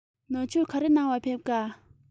ནག ཆུར ག རེ གནང བར ཕེབས ཀ